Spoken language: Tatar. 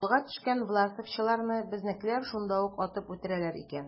Кулга төшкән власовчыларны безнекеләр шунда ук атып үтерәләр икән.